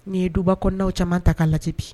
N'i ye duba kɔnɔnaw caman ta k'a lajɛ bi